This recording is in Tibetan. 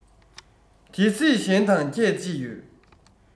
དེ སྲིད གཞན དང ཁྱད ཅི ཡོད